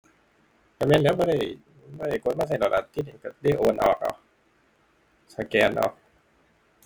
ก็แม่นแหล้วบ่ได้ บ่ได้กดมาก็ดอก ละทีนี้ก็ได้โอนออกเอา สแกนเอา